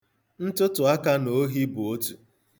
Ntụtụaka na ohi bụ otu.